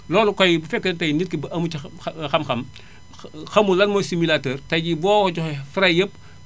loolu kay bu fekkee tay nit ki amu ci xam-xam xamul lan mooy similateur: fra tay jii boo ko joxee frais yépp